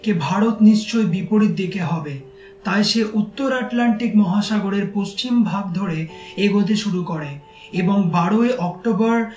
যে ভারত নিশ্চয়ই বিপরীত দিকে হবে তাই সে উত্তর আটলান্টিক মহাসাগরের পশ্চিম ভাগ ধরে এগোতে শুরু করে এবং ১২ ই অক্টোবর